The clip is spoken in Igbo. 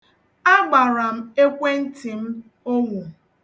Agbara m ekwentị m onwo.